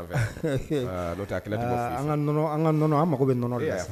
An ka an mako bɛ nɔnɔnɔ de